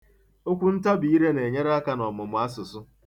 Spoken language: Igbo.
Okwuntabire na-enyere aka n'ọmụmụ asụsụ.